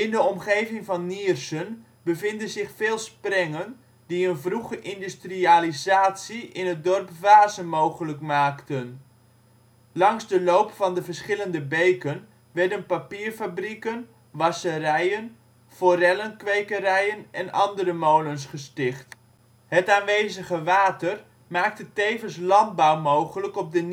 de omgeving van Niersen bevinden zich veel sprengen, die een vroege industrialisatie in het dorp Vaassen mogelijk maakten. Langs de loop van de verschillende beken werden papierfabrieken, wasserijen, forellenkwekerijen en andere molens gesticht. Het aanwezige water maakte tevens landbouw mogelijk op de